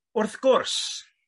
Wrth gwrs